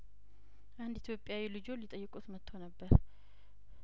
አንድ ኢትዮጵያዊ ልጅዎ ሊጠይቅዎት መጥቶ ነበር